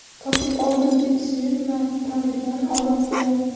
topib oldim deb suyunma tanigan olib qo'yar